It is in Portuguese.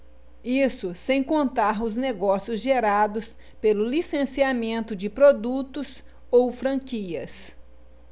isso sem contar os negócios gerados pelo licenciamento de produtos ou franquias